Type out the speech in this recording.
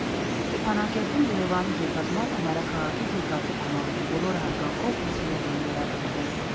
Ստեփանակերտում Երևանից եկած մարդը «մայրաքաղաքից եկած» էր համարվում, բոլորը հարգանքով ու սիրով էին վերաբերվում։